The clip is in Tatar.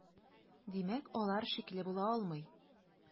Димәк, алар шикле була алмый.